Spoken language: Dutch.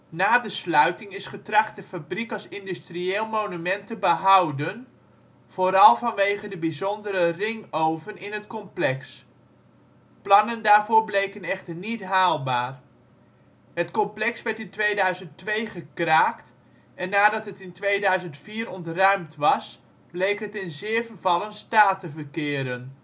Na de sluiting is getracht de fabriek als industrieel monument te behouden, vooral vanwege de bijzondere ringoven in het complex. Plannen daarvoor bleken echter niet haalbaar. Het complex werd in 2002 gekraakt en nadat het in 2004 ontruimd was, bleek het in zeer vervallen staat te verkeren